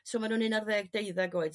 so ma' nhw'n un ar ddeg deuddag oed.